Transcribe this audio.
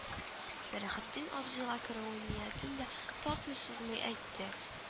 Сәләхендин абзыйга керүенең ниятен дә тартмый-сузмый әйтте